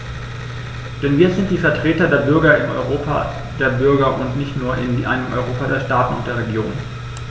Denn wir sind die Vertreter der Bürger im Europa der Bürger und nicht nur in einem Europa der Staaten und der Regionen.